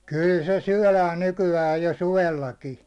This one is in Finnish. kyllä se syödään nykyään jo suvellakin